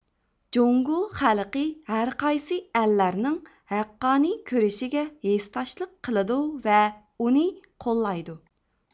جۇڭگو خەلقى ھەرقايسى ئەللەرنىڭ ھەققانىي كۈرىشىگە ھېسداشلىق قىلىدۇ ۋە ئۇنى قوللايدۇ